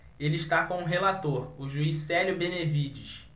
ele está com o relator o juiz célio benevides